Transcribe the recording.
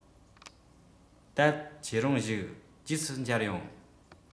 ད ཁྱེད རང བཞུགས རྗེས སུ མཇལ ཡོང